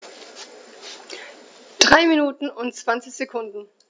3 Minuten und 20 Sekunden